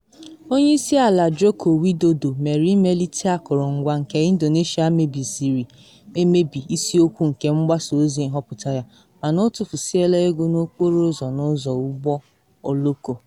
Onye isi ala Joko Widodo mere imelite akụrụngwa nke Indonesia mebisiri emebi isiokwu nke mgbasa ozi nhọpụta ya, mana o tufusiela ego n’okporo ụzọ na ụzọ ụgbọ oloko.